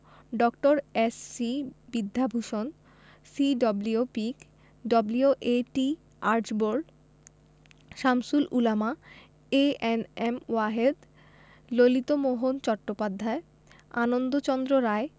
ড. S C. Vidyabhushan C W. Peake W A T. Archbold Shamsul Ulama A N M Wahed Lalitmohan Chattopadhyay Anandachandra রায়